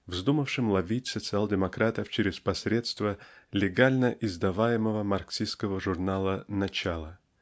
вздумавшим ловить социал-демократов через посредство легально издаваемого марксистского журнала "Начало".